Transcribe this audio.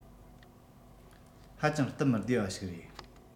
ཧ ཅང སྟབས མི བདེ བ ཞིག རེད